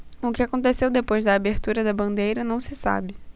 o que aconteceu depois da abertura da bandeira não se sabe